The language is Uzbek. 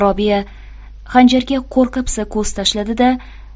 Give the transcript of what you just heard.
robiya xanjarga qo'rqa pisa ko'z tashladi da